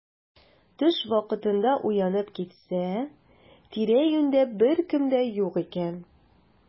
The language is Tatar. Төш вакытында уянып китсә, тирә-юньдә беркем дә юк икән.